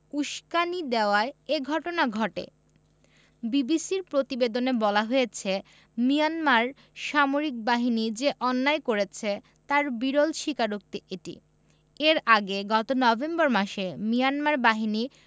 উসকানি দেওয়ায় এ ঘটনা ঘটে বিবিসির প্রতিবেদনে বলা হয়েছে মিয়ানমার সামরিক বাহিনী যে অন্যায় করেছে তার বিরল স্বীকারোক্তি এটি এর আগে গত নভেম্বর মাসে মিয়ানমার বাহিনী